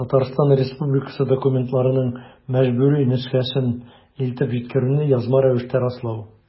Татарстан Республикасы документларының мәҗбүри нөсхәсен илтеп җиткерүне язма рәвештә раслау.